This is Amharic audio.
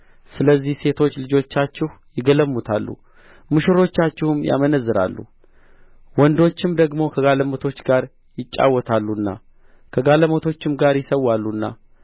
ስለዚህ ሴቶች ልጆቻችሁ ይገለሙታሉ ሙሽሮቻችሁም ያመነዝራሉ ወንዶችም ደግሞ ከጋለሞቶች ጋር ይጫወታሉና ከጋለሞቶችም ጋር ይሠዋሉና